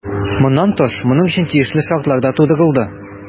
Моннан тыш, моның өчен тиешле шартлар да тудырылды.